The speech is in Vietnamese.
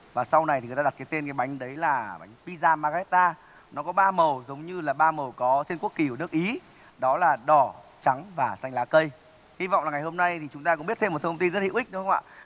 và sau này thì người ta đặt cái tên cái bánh đấy là pi da ma ghét ta nó có ba màu giống như là ba màu có trên quốc kỳ nước ý đó là đỏ trắng và xanh lá cây hy vọng là ngày hôm nay thì chúng ta cũng biết thêm thông tin rất hữu ích đúng không ạ